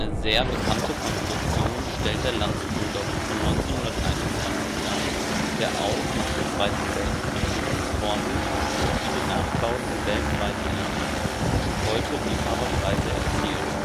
sehr bekannte Konstruktion stellt der Lanz Bulldog von 1921 dar, der auch nach dem Zweiten Weltkrieg noch als Vorbild für viele Nachbauten weltweit diente und heute Liebhaberpreise erzielt